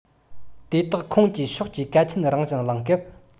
དེ དག ཁོངས ཀྱི ཕྱོགས ཀྱི གལ ཆེན རང བཞིན གླེང སྐབས